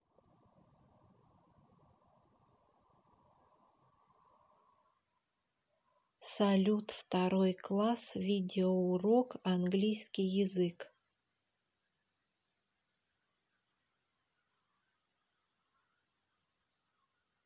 салют второй класс видеоурок английский язык